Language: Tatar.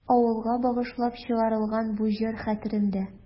Авылга багышлап чыгарылган бу җыр хәтеремдә.